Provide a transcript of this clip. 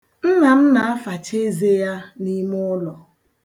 Nna m na-afacha eze ya n'ime ụlọ.